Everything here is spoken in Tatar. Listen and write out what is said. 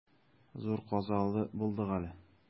Зур казалы булдык әле.